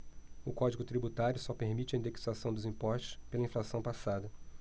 o código tributário só permite a indexação dos impostos pela inflação passada